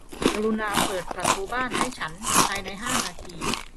กรุณาเปิดประตูบ้านให้ฉันภายในห้านาที